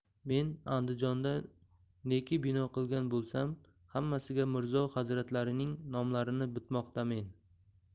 men andijonda neki bino qilgan bo'lsam hammasiga mirzo hazratlarining nomlarini bitmoqdamen